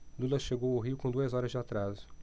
lula chegou ao rio com duas horas de atraso